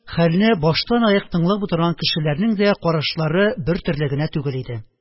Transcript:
Хәлне баштанаяк тыңлап утырган кешеләрнең дә карашлары бертөрле генә түгел иде: